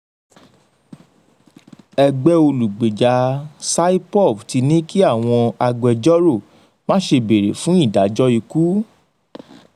Ẹgbẹ́ olùgbèjà Saipov ti ní kí àwọn agbẹjọ́rò má ṣe bẹ̀rè fún ìdájọ́ ikú.